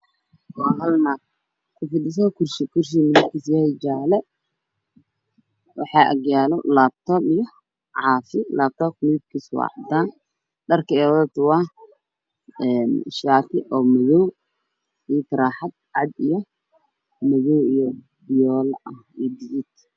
Wahal nag okufadhido kursi midabkisana yahy jalo waxa agyalo laptop iyo cafi laptop midabkisu wa cadan dharka ay wadato wa shati madow iyo taraxad cad iyo madow fiyola ah iyo gadud